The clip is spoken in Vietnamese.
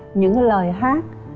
những lời hát